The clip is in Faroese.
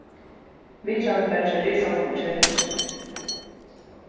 vitjanin var hjá risanum og kellingini